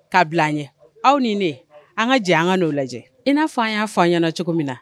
K'a bila an ɲɛ aw ni ne an ka jɛ an ka n'o lajɛ i'a fɔ an y'a fɔ awan ɲɛna cogo min na